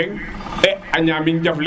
so a ñamin jaf leŋ